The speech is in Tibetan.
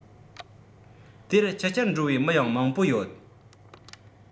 དེར ཆུ རྐྱལ འགྲོ བའི མི ཡང མང པོ ཡོད